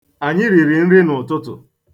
Anyị riri nri n'ụtụtụ.